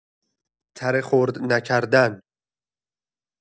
تره خرد نکردن